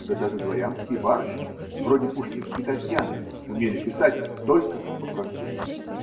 когда даже дворянские барышни, вроде пушкинской Татьяны, умели писать только по-французски.